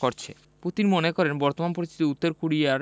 করেছে পুতিন মনে করেন বর্তমান পরিস্থিতিতে উত্তর কোরিয়ার